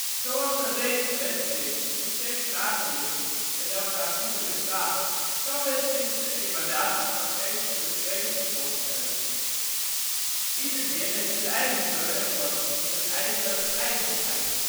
Zoals een reeks bergmeertjes die steeds lager liggen en elkaar voeden met water, kan men zich de emanatie van geestelijke wezens voorstellen. Ieder meer heeft zijn eigen kleur en vorm, zijn eigen eigenheid